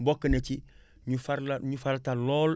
bokk na ci ñu farla ñu farataal lool